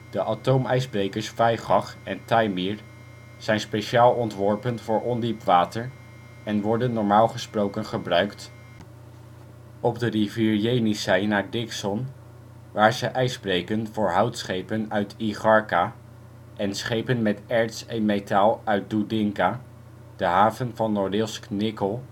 De atoomijsbrekers Vaigach en Taimyr zijn speciaal ontworpen voor ondiep water en worden normaal gesproken gebruikt op de rivier Jenisej naar Dikson, waar ze ijs breken voor houtschepen uit Igarka en schepen met erts en metaal uit Doedinka, de haven van Norilsk Nikkel